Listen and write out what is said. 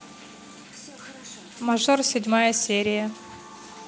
мажор седьмая серия